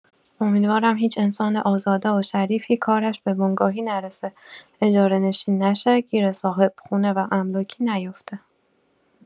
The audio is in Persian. امیدوارم هیچ انسان آزاده و شریفی کارش به بنگاهی نرسه، اجاره‌نشین نشه، گیر صاحبخونه و املاکی نیفته.